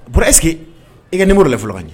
O bɔra ese i ka ni morila fɔlɔ ye